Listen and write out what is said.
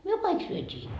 me kaikki syötiin